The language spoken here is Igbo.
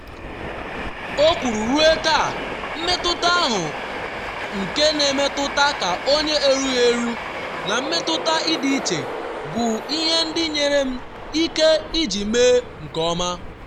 O kwuru: “Ruo taa, mmetụta ahụ nke na emetụta ka onye erughị eru, na mmetụta ịdị iche, bụ ihe ndị nyere m ike iji mee nke ọma.”